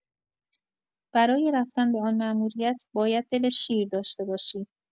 برای رفتن به آن ماموریت باید دل شیر داشته باشی.